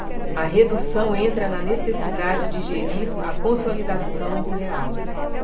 a redução entra na necessidade de gerir a consolidação do real